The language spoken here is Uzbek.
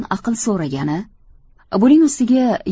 aql so'ragani buning ustiga